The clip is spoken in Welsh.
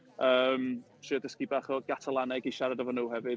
Yym, trio dysgu bach o Gatalaneg i siarad efo nhw hefyd.